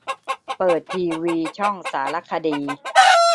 เปิดทีวีช่องสารคดี